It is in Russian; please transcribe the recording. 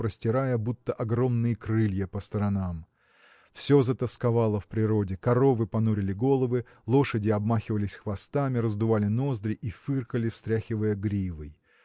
простирая будто огромные крылья по сторонам. Все затосковало в природе. Коровы понурили головы лошади обмахивались хвостами раздували ноздри и фыркали встряхивая гривой.